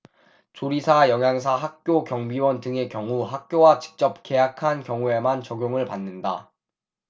조리사 영양사 학교 경비원 등의 경우 학교와 직접 계약한 경우에만 적용을 받는다